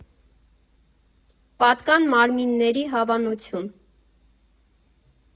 Պատկան մարմինների հավանություն։